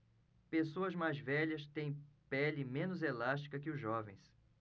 pessoas mais velhas têm pele menos elástica que os jovens